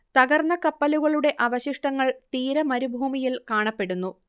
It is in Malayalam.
തകർന്ന കപ്പലുകളുടെ അവശിഷ്ടങ്ങൾ തീര മരുഭൂമിയിൽ കാണപ്പെടുന്നു